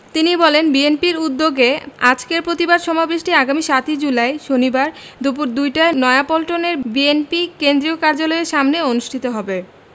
তিনি বলেন বিএনপির উদ্যোগে আজকের পতিবাদ সমাবেশটি আগামী ৭ ই জুলাই শনিবার দুপুর দুইটায় নয়াপল্টনের বিএনপি কেন্দ্রীয় কার্যালয়ের সামনে অনুষ্ঠিত হবে